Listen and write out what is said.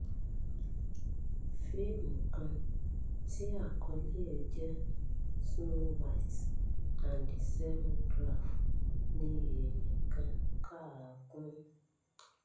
Fíìmù kan tí àkọlé ẹ jẹ́ “Snow White and the Seven Dwarfs” ni èèyàn kan kà á kún.”